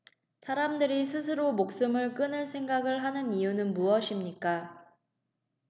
사람들이 스스로 목숨을 끊을 생각을 하는 이유는 무엇입니까